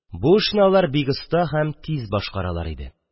Бу эшне алар бик оста һәм тиз башкаралар иде.